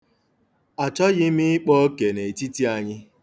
Achoghị m ịkpa oke n'etiti anyị.